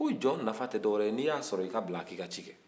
ko jɔn nafa tɛ dɔ wɛrɛ ye n'i y'a sɔrɔ i k'a bila a k'i ka ci kɛ